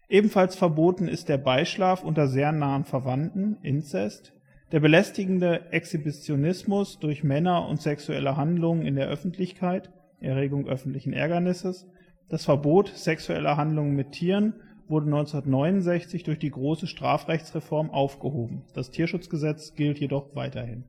Ebenfalls verboten ist der Beischlaf unter sehr nahen Verwandten (Inzest), der belästigende Exhibitionismus durch Männer und sexuelle Handlungen in der Öffentlichkeit („ Erregung öffentlichen Ärgernisses “). Das Verbot sexueller Handlungen mit Tieren wurde 1969 durch die Große Strafrechtsreform aufgehoben (das Tierschutzgesetz gilt jedoch weiterhin